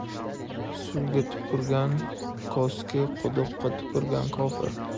suvga tupurgan koski quduqqa tupurgan kofir